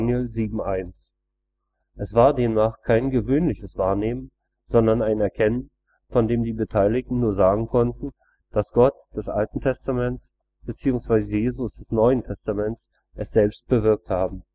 Dan 7,1 EU). Es war demnach kein gewöhnliches Wahrnehmen, sondern ein Erkennen, von dem die Beteiligten nur sagen konnten, dass Gott (AT) bzw. Jesus (NT) es selbst bewirkt habe